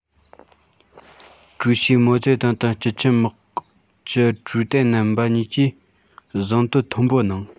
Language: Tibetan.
ཀྲུའུ ཞི མའོ ཙེ ཏུང དང སྤྱི ཁྱབ དམག སྤྱི ཀྲུའུ ཏེ རྣམ པ གཉིས ཀྱིས གཟེངས བསྟོད མཐོན པོ གནང